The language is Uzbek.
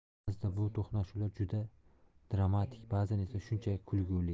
ba'zida bu to'qnashuvlar juda dramatik ba'zan esa shunchaki kulgili